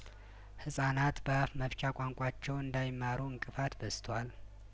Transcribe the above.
ህጻናት በአፍ መፍቻ ቋንቋቸው እንዳይማሩ እንቅፋት በዝቷል